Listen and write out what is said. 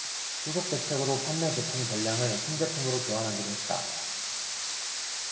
후속 대책으로 판매 제품 전량을 신제품으로 교환하기로 했다